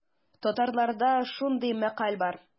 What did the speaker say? Татарларда шундый мәкаль бар.